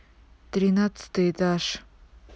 тринадцатый этаж